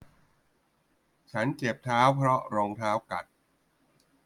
ฉันเจ็บเท้าเพราะรองเท้ากัด